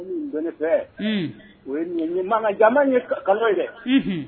Dɔnnini fɛ o ye ɲɛ mankan kan jaa ye kalo ye